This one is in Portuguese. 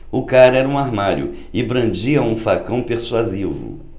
o cara era um armário e brandia um facão persuasivo